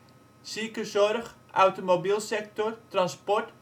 ziekenzorg, automobielsector, transport